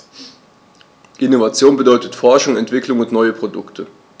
Innovation bedeutet Forschung, Entwicklung und neue Produkte.